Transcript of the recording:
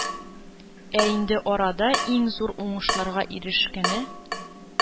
Ә инде арада иң зур уңышларга ирешкәне